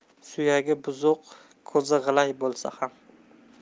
suyagi buzuq ko'zi g'ilay bo'lsa ham